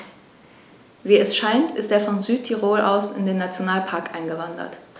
Wie es scheint, ist er von Südtirol aus in den Nationalpark eingewandert.